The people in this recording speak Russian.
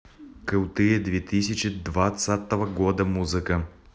крутые две тысячи двадцатого года музыка